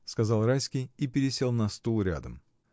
— сказал Райский и пересел на стул рядом.